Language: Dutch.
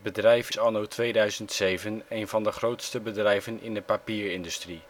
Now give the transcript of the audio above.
bedrijf is anno 2007 een van de grootste bedrijven in de papierindustrie